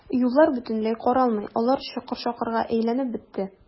Юллар бөтенләй каралмый, алар чокыр-чакырга әйләнеп бетте.